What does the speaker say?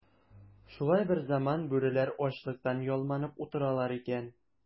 Шулай берзаман бүреләр ачлыктан ялманып утыралар икән.